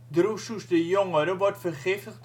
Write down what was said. Drusus de Jongere wordt vergiftigd